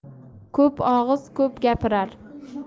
ko'p og'iz ko'p gapirar